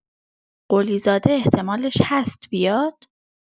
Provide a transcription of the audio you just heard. قلی زاده احتمالش هست بیاد؟